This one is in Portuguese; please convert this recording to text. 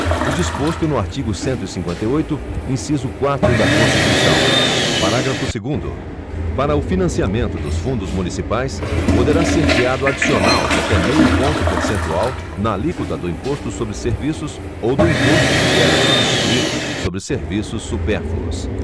o disposto no artigo cento e cinquenta e oito inciso quatro da constituição parágrafo segundo para o financiamento dos fundos municipais poderá ser criado adicional de até meio ponto percentual na alíquota do imposto sobre serviços ou do imposto que vier a substituí lo sobre serviços supérfluos